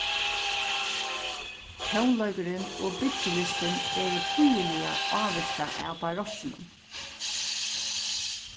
tónleikurin og byggilistin eru týðiliga ávirkað av barokkinum